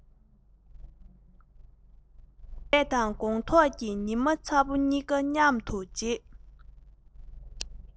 ཟས དང དགོང ཐོག གི ཉི མ ཚ བོ གཉིས ཀ མཉམ དུ བརྗེད